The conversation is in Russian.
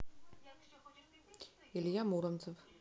илья муромцев